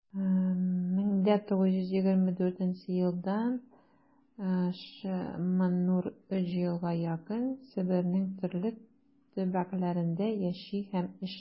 1924 елдан ш.маннур өч елга якын себернең төрле төбәкләрендә яши һәм эшли.